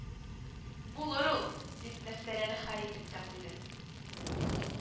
– булыр ул, – дип мәсьәләне хәл итеп тә куйды